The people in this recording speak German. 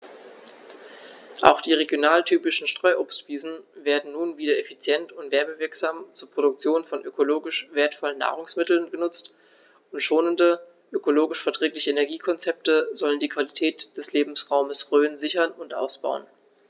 Auch die regionaltypischen Streuobstwiesen werden nun wieder effizient und werbewirksam zur Produktion von ökologisch wertvollen Nahrungsmitteln genutzt, und schonende, ökologisch verträgliche Energiekonzepte sollen die Qualität des Lebensraumes Rhön sichern und ausbauen.